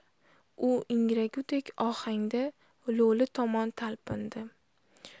u ingragudek ohangda lo'li tomon talpindi